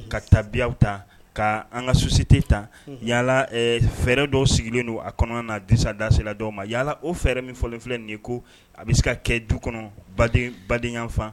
Ka tabiya ta ka an ka susite ta yala fɛɛrɛ dɔw sigilen don a kɔnɔna na disadasila dɔw ma yalala o fɛɛrɛ min fɔlen filɛ nin ko a bɛ se ka kɛ du kɔnɔ badenyayafan